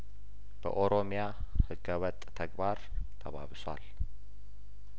በኦሮሚያ ህገወጥ ተግባር ተባብሷል